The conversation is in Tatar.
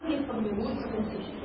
Тагын бер тапкыр кабатлыйм: